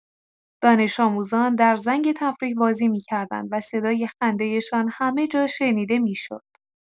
دانش‌آموزان در زنگ تفریح بازی می‌کردند و صدای خنده‌شان همه جا شنیده می‌شد.